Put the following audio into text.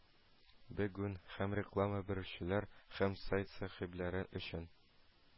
Бегун һәм реклама бирүчеләр, һәм сайт сәхибләре өчен